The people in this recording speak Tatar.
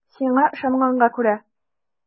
Сиңа ышанганга күрә.